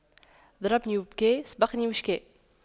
ضربني وبكى وسبقني واشتكى